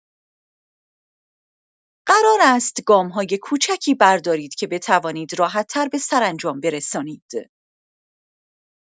قرار است گام‌های کوچکی بردارید که بتوانید راحت‌تر به سرانجام برسانید.